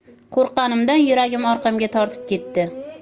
qo'rqqanimdan yuragim orqamga tortib ketdi